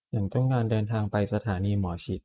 ฉันต้องการเดินทางไปสถานีหมอชิต